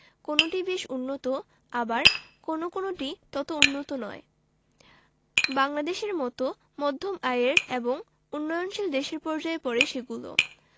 কোনটি বেশ উন্নত আবার কোনো কোনোটি তত উন্নত নয় বাংলাদেশের মতো মধ্যম আয়ের এবং উন্নয়নশীল দেশের পর্যায়ে পড়ে সেগুলো